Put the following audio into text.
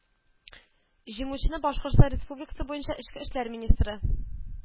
Җиңүчене башкортстан республикасы буенча эчке эшләр министры